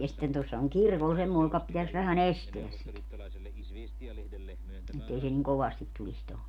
ja sitten tuossa on kirkolla semmoinen joka pitäisi vähän estää sitä että ei se niin kovasti tulisi tuohon